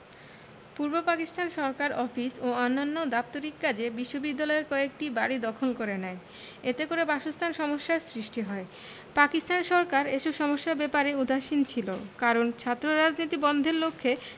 পূর্ব পাকিস্তান সরকার অফিস ও অন্যান্য দাপ্তরিক কাজে বিশ্ববিদ্যালয়ের কয়েকটি বাড়ি দখল করে নেয় এতে করে বাসস্থান সমস্যার সৃষ্টি হয় পাকিস্তান সরকার এসব সমস্যার ব্যাপারে উদাসীন ছিল কারণ ছাত্ররাজনীতি বন্ধের লক্ষ্যে